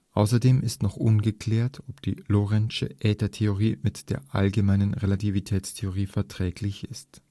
Außerdem ist noch ungeklärt, ob die lorentzsche Äthertheorie mit der allgemeinen Relativitätstheorie verträglich ist